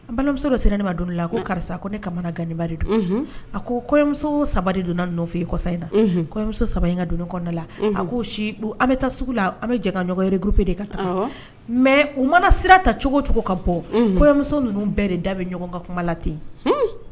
Balimamuso dɔ siran ne ma don la a ko karisa ko ne kamana ganba de do a ko kɔmuso saba de donna fɔ yen kɔ in namuso saba in ka don kɔnɔnada la a ko si an bɛ taa sugu la an bɛ jɛ ka ɲɔgɔn gp de ka taa mɛ u mana sira ta cogo cogo ka bɔ kɔmuso ninnu bɛɛ de da bɛ ɲɔgɔn ka kuma la ten